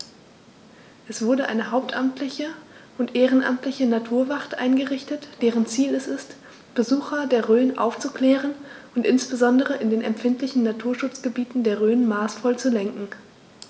Es wurde eine hauptamtliche und ehrenamtliche Naturwacht eingerichtet, deren Ziel es ist, Besucher der Rhön aufzuklären und insbesondere in den empfindlichen Naturschutzgebieten der Rhön maßvoll zu lenken.